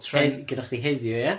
Tren-... En- gyda chdi heddiw ia?